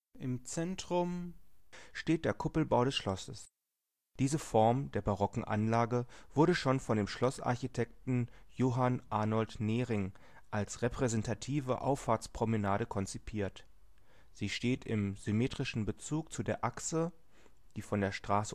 Im Zentrum steht der Kuppelbau des Schlosses. Diese Form der barocken Anlage wurde schon von dem Schlossarchitekten Johann Arnold Nering als repräsentative Auffahrtspromenade konzipiert. Sie steht im symmetrischen Bezug zu der Achse, die von der Straße